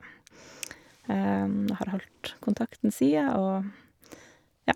Og har holdt kontakten sia og, ja.